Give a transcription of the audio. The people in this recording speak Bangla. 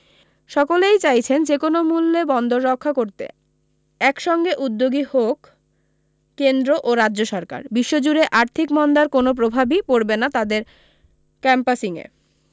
সকলেই চাইছেন যে কোনও মূল্যে বন্দর রক্ষা করতে একসঙ্গে উদ্যোগী হোক কেন্দ্র ও রাজ্য সরকার বিশ্বজুড়ে আর্থিক মন্দার কোনও প্রভাবই পড়বে না তাদের ক্যাম্পাসিংয়ে